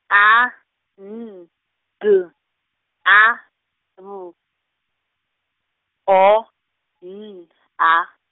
A, N, G, A, B, O, N , A.